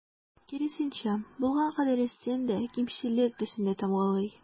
Киресенчә, булган кадәресен дә кимчелек төсендә тамгалый.